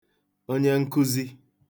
onye nkụzi